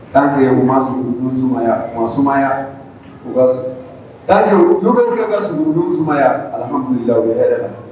Tant que u ma sugurudun sumaya, u sumaya u ka sun tant que n’u bɛ se ka sugurudun sumaya Alhamdoullah